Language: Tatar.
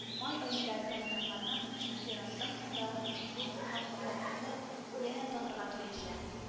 Май аенда тәмамланган чемпионаттан соң да ошбу хакыйкатьне янә танырга туры килә